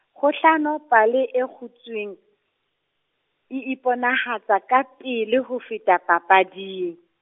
kgohlano pale e kgutshweng, e iponahatsa kapele ho feta papading.